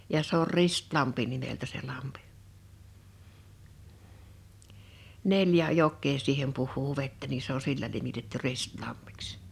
ja se on Ristilampi nimeltä se lampi neljä jokea siihen puhuu vettä niin se on sillä nimitetty Ristilammiksi